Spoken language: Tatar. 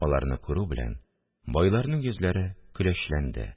Аларны күрү белән, байларның йөзләре көләчләнде